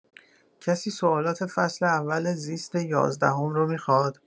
کسی سوالات فصل اول زیست یازدهم رو میخواد؟